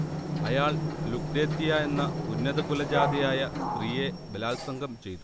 അയാൾ ലുക്രേത്തിയ എന്ന ഉന്നതകുലജാതയായ സ്ത്രീയെ ബലാത്സംഗം ചെയ്തു